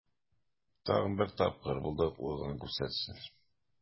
Тагын бер тапкыр булдыклылыгын күрсәтсен.